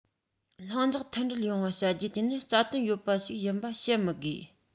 ལྷིང འཇགས མཐུན སྒྲིལ ཡོང བ བྱ རྒྱུ དེ ནི རྩ དོན ཡོད པ ཞིག ཡིན པ བཤད མི དགོས